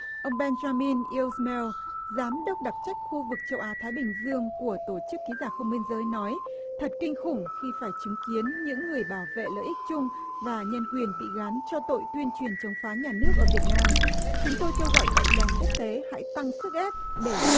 ông ben cho min in meo giám đốc đặc trách khu vực châu á thái bình dương của tổ chức ký giả không biên giới nói thật kinh khủng khi phải chứng kiến những người bảo vệ lợi ích chung và nhân quyền bị gán cho tội tuyên truyền chống phá nhà nước ở việt nam chúng tôi kêu gọi cộng đồng quốc tế hãy tăng sức ép để những